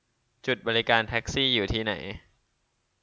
จุดบริการแท็กซี่อยู่ที่ไหน